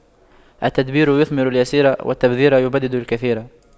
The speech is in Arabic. التدبير يثمر اليسير والتبذير يبدد الكثير